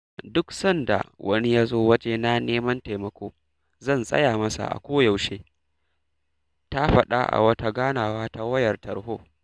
Duk sanda wani yazo wajena neman taimako zan tsaya masa a koyaushe, ta faɗa a wata ganawa ta wayar tarho.